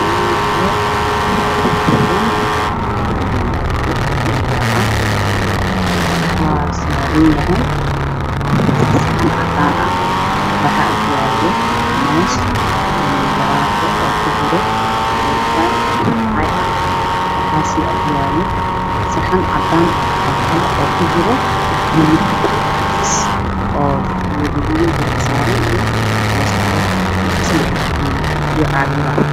Waa miis waxaa saaran saxan biyaha caafiga oo kujira cuntada midabkoodu yahay guduud